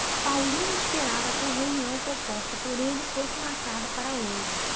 paulino esperava que a reunião proposta por ele fosse marcada para hoje